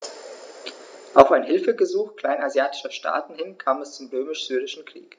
Auf ein Hilfegesuch kleinasiatischer Staaten hin kam es zum Römisch-Syrischen Krieg.